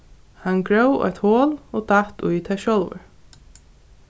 hann gróv eitt hol og datt í tað sjálvur